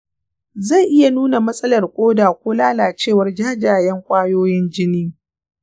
zai iya nuna matsalar ƙoda ko lalacewar jajayen ƙwayoyin jini.